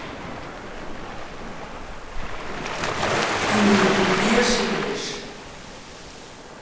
ты меня выбешиваешь